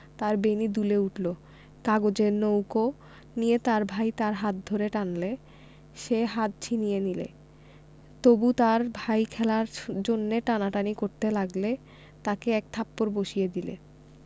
তার বেণী দুলে উঠল কাগজের নৌকো নিয়ে তার ভাই তার হাত ধরে টানলে সে হাত ছিনিয়ে নিলে তবু তার ভাই খেলার জন্যে টানাটানি করতে লাগলে তাকে এক থাপ্পড় বসিয়ে দিলে